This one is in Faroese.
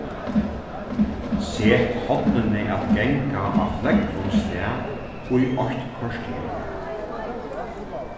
set hornini at ganga á flógvum stað í eitt korter